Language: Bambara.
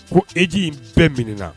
Ko eji in bɛɛ min na